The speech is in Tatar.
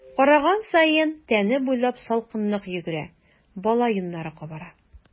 Караган саен тәне буйлап салкынлык йөгерә, бала йоннары кабара.